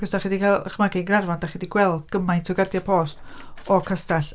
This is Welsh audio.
Ac os dach chi 'di cael eich magu yn Gaernarfon dach chi 'di gweld gymaint o gardiau post o Castell.